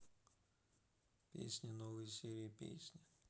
песни новые серии песни